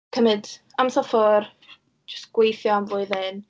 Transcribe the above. Cymryd amser ffwrdd, jyst gweithio am flwyddyn.